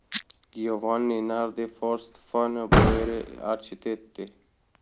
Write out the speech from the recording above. giovanni nardi for stefano boeri architetti